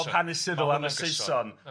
Y cof hanesyddol am y Saeson